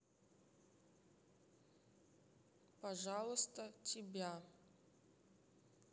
пожалуйста тебя